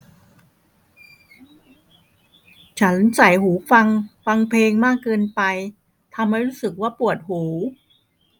ฉันใส่หูฟังฟังเพลงมากเกินไปทำให้รู้สึกว่าปวดหู